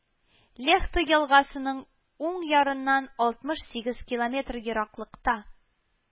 Лехта елгасының уң ярыннан алтмыш сигез километр ераклыкта